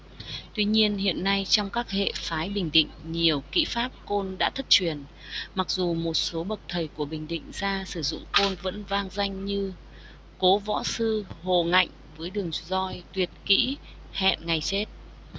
tuy nhiên hiện nay trong các hệ phái bình định nhiều kỹ pháp côn đã thất truyền mặc dù một số bậc thầy của bình định gia sử dụng côn vẫn vang danh như cố võ sư hồ ngạnh với đường roi tuyệt kỹ hẹn ngày chết